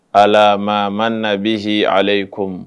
Ala mama ma na bi h alayi ko